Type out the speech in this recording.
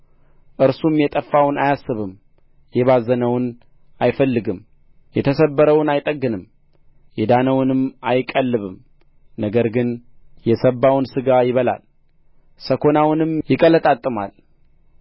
እርሱም የጠፋውን አያስብም የባዘነውን አይፈልግም የተሰበረውን አይጠግንም የዳነውንም አይቀልብም ነገር ግን የሰባውን ሥጋ ይበላል ሰኰናውንም ይቀለጣጥማል